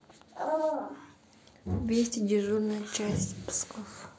вести дежурная часть псков